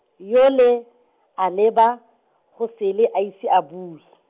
yole, a leba, go sele a ise a bue .